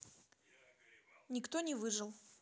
никто не выжил